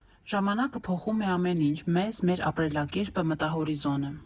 Ժամանակը փոխում է ամեն ինչ՝ մեզ, մեր ապրելակերպը, մտահորիզոնը։